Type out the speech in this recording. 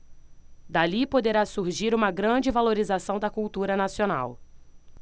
dali poderá surgir uma grande valorização da cultura nacional